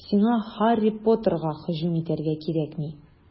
Сиңа Һарри Поттерга һөҗүм итәргә кирәкми.